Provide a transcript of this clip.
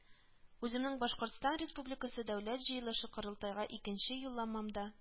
Үземнең Башкортстан Республикасы Дәүләт ыелышы-Корылтайга икенче Юлламамда